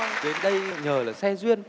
đến đây nhờ là xe duyên